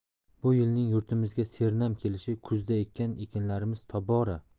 bu yilning yurtimizga sernam kelishi kuzda ekkan ekinlarimiz tobora